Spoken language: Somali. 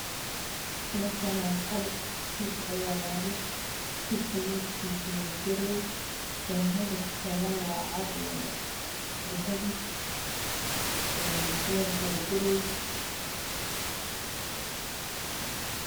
Meeshaan waa jiif ayaa yaalo midabkiisu waa garee, daahmanka kuxiran waa cadaan iyo dahabi, mutuleelku waa garee.